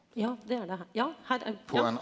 ja det er det her ja her er ja.